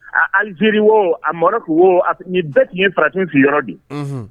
A Alizeri wo a Marɔki wo nin bɛɛ kun ye farafin si yɔrɔ de ye. Unhun